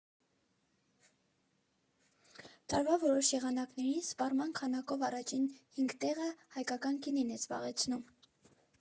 ֊ Տարվա որոշ եղանակներին սպառման քանակով առաջին հինգ տեղը հայկական գինին է զբաղեցնում»։